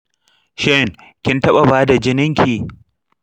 shin kin taba bada jininki?